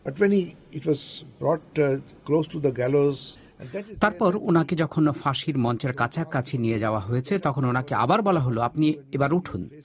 but when he was brought to the gallows তারপর উনাকে যখন ফাঁসির মঞ্চের কাছাকাছি নিয়ে যাওয়া হয়েছে তখন উনাকে আবার বলা হল আপনি এবার উঠুন